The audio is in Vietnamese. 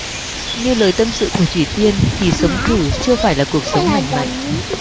như lời tâm sự của thủy tiên thì sống thử chưa phải cuộc sống lành mạnh